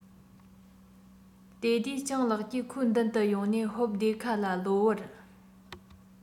དེ དུས སྤྱང ལགས ཀྱིས ཁོའི མདུན དུ ཡོང ནས ཧོབ སྟེ ཁ ལ གློ བུར